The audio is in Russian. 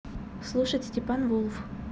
слушать степан вулф